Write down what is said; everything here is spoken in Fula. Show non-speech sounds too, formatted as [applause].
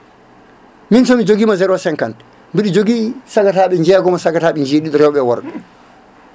min somi joguima 0 50 mbiɗo jogui sagataɓe jeegomo sagataɓe jeeɗiɗo rewɓe e worɓe [laughs]